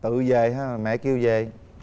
tự dề hay là mẹ kêu dề